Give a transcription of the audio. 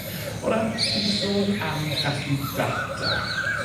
O ran, ti di sôn am gasglu data. Ie.